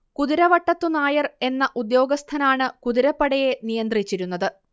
കുതിരവട്ടത്തു നായർ എന്ന ഉദ്യോഗസ്ഥനാണ് കുതിരപ്പടയെ നിയന്ത്രിച്ചിരുന്നത്